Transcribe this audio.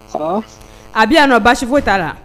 a bi yan nɔ baasi foyi t'a la